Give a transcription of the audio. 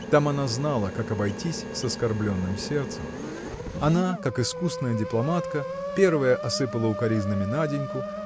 Там она знала, как обойтись с оскорбленным сердцем. Она как искусная дипломатка первая осыпала укоризнами Наденьку